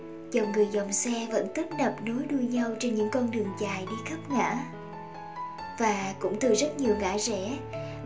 dòng người dòng xe vẫn tấp nập nối đuôi nhau trên những con đường dài đi khắp ngả và cũng từ rất nhiều ngã rẽ